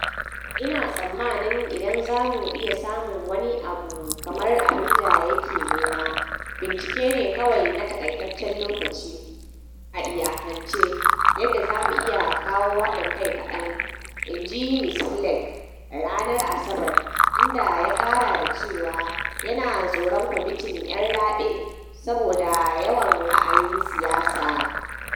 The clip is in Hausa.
"Ina tsammanin, idan za mu iya samun wani abu kamar abin da yake nema - bincike ne kawai na takaitancen lokaci, a iyakance - yadda za mu iya kawo hadin kai kadan," in ji Mr Flake a ranar Asabar, inda ya kara da cewa yana tsoron kwamitin " ya rabe " saboda yawan ra’ayin siyasa.